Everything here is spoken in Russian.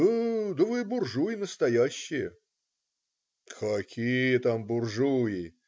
- "Э, да вы буржуи настоящие". - "Какие там буржуи.